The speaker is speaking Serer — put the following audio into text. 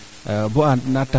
xa baas liɓxa ñaɓ liɓ